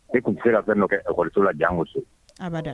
E tun tɛ se ka fɛn dɔ kɛ lakɔliso la jango so, abada